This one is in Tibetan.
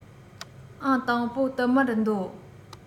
ཨང དང པོ བསྟུད མར འདོད